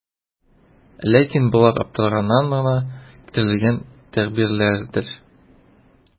Ләкин болар аптыраганнан гына китерелгән тәгъбирләрдер.